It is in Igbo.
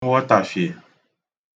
nghọtafiè